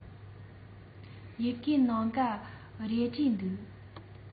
ཡི གེའི ནང ག རེ བྲིས འདུག